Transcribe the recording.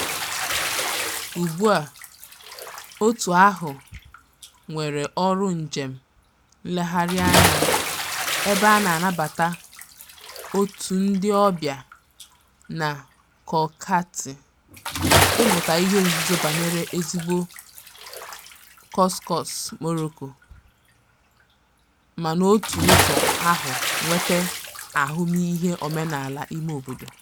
Ugbua òtù ahụ nwere ọrụ njem nlegharịanya ebe a na-anabata òtù ndị ọbịa na Khoukhate ịmụta ihe nzuzo banyere ezigbo Couscous Morocco, ma n'otu ụzọ ahụ nweta ahụmiihe omenala imeobodo.